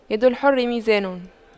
يد الحر ميزان